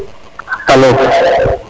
alo